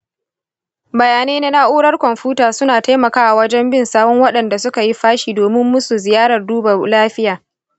bayanai na na'urar kwamfuta suna taimakawa wajen bin sawun waɗanda suka yi fashi domin kai musu ziyarar duba lafiya.